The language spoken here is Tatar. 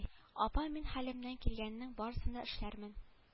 Апа мин хәлемнән килгәннең барысын да эшләрмен